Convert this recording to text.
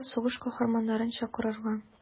Мәктәпкә сугыш каһарманнарын чакырырга.